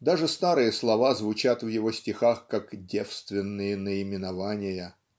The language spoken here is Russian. Даже старые слова звучат в его стихах как "девственные наименования".